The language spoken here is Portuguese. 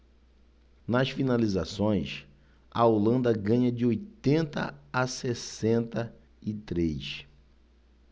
nas finalizações a holanda ganha de oitenta a sessenta e três